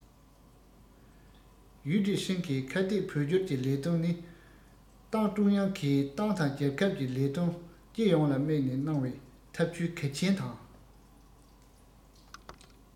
ཡུས ཀྲེང ཧྲེང གིས ཁ གཏད བོད སྐྱོར གྱི ལས དོན ནི ཏང ཀྲུང དབྱང གིས ཏང དང རྒྱལ ཁབ ཀྱི ལས དོན སྤྱི ཡོངས ལ དམིགས ནས གནང བའི འཐབ ཇུས གལ ཆེན དང